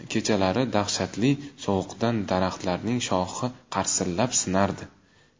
kechalari dahshatli sovuqdan daraxtlarning shoxi qarsillab sinardi